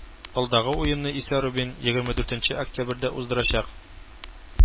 Алдагы уенны исә Рубин егерме дүртенче октябрьдә уздырачак